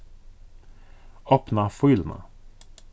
opna fíluna